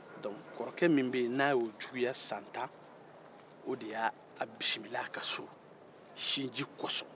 donke kɔrɔkɛ min bɛ ye n'a y'o juguya san tan o de y'a bisimil'a ka so sinji kɔsɔ